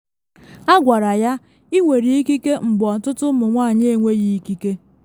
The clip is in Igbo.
Agwara ya, “ị nwere ikike mgbe ọtụtụ ụmụ nwanyị enweghị ikike.””